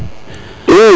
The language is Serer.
i